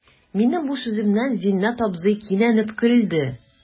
Минем бу сүземнән Зиннәт абзый кинәнеп көлде.